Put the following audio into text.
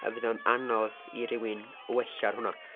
A fydd o'n anodd i rywun wella ar hwnna.